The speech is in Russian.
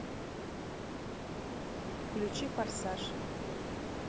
включи форсаж